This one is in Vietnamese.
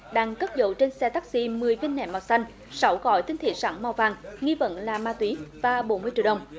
đang cất giấu trên xe tắc xi mười viên nén màu xanh sáu gói tinh thể rắn màu vàng nghi vấn là ma túy và bốn mươi triệu đồng